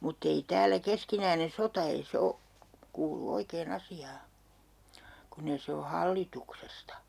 mutta ei täällä keskinäinen sota ei se ole kuulu oikein asiaan kun ei se ole hallituksesta